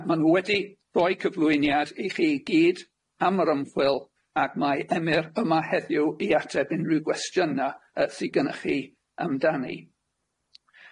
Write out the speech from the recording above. M- a ma' nw wedi roi cyflwyniad i chi i gyd am yr ymchwil ag mae Emyr yma heddiw i ateb unrhyw gwestiyna yy sy gynnoch chi amdani.